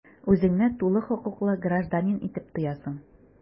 Үзеңне тулы хокуклы гражданин итеп тоясың.